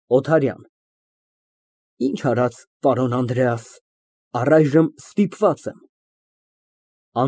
ՕԹԱՐՅԱՆ ֊ Ի՞նչ արած, պարոն Անդրեաս, առայժմ ստիպված եմ։